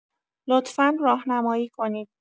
لطفا راهنمایی کنید